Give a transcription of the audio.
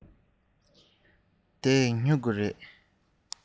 འདི སྨྲུ གུ རེད